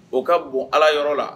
O ka bon ala yɔrɔ la